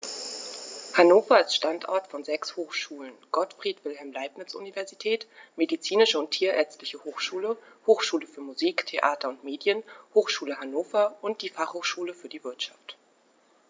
Hannover ist Standort von sechs Hochschulen: Gottfried Wilhelm Leibniz Universität, Medizinische und Tierärztliche Hochschule, Hochschule für Musik, Theater und Medien, Hochschule Hannover und die Fachhochschule für die Wirtschaft.